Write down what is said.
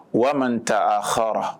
Waati taa a h